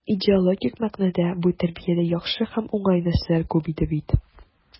Идеологик мәгънәдә бу тәрбиядә яхшы һәм уңай нәрсәләр күп иде бит.